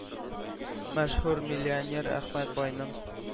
Мәшһүр миллионер Әхмәт байның